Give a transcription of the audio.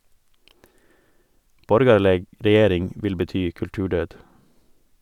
Borgarleg regjering vil bety kulturdød.